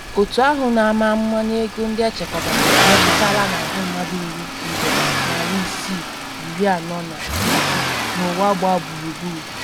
Otu ahụ na-ama amụma n’ego ndị echekwabara emetụtala n’ahụ mmadụ ruru nde 649 n’ụwa gbaa gburugburu.